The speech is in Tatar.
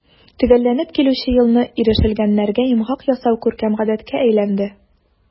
Төгәлләнеп килүче елны ирешелгәннәргә йомгак ясау күркәм гадәткә әйләнде.